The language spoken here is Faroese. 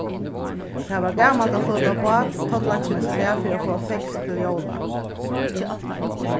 tað var gamalt at flota bát tollaksmessudag fyri at fáa feskt til jóla